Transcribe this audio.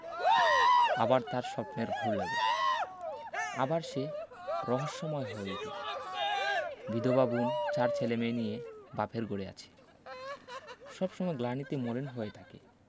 আবার তার স্বপ্নের ঘোর লাগে আবার সে রহস্যময় হয়ে উটে বিধবা বুন চার ছেলেমেয়ে নিয়ে বাপের ঘরে আছে সব সময় গ্লানিতে মলিন হয়ে থাকে